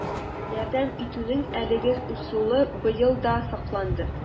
Ярдәм итүнең әлеге ысулы быел да сакланды: